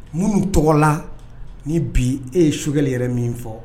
Minnu tɔgɔla ni bi e ye Sokɛli yɛrɛ min fɔ